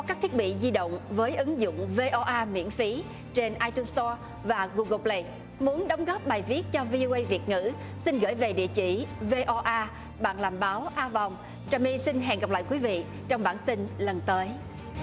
các thiết bị di động với ứng dụng vê o a miễn phí trên ai tun sờ to và gu gồ pờ lây muốn đóng góp bài viết cho vi ô ây việt ngữ xin gửi về địa chỉ vê o a bạn làm báo vòng trà my xin hẹn gặp lại quý vị trong bản tin lần tới